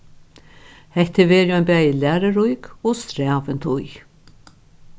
hetta hevur verið ein bæði lærurík og strævin tíð